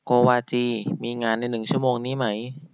โกวาจีมีงานในหนึ่งชั่วโมงนี้ไหม